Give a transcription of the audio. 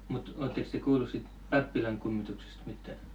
mutta olettekos te kuullut siitä pappilan kummituksesta mitään